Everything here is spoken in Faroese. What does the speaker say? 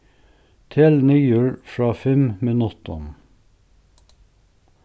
tel niður frá fimm minuttum